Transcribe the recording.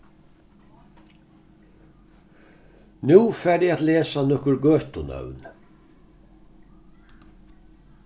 nú fari eg at lesa nøkur gøtunøvn